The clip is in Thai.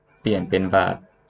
เปลี่ยนเป็นบาท